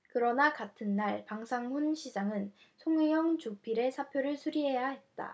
그러나 같은 날 방상훈 사장은 송희영 주필의 사표를 수리해야 했다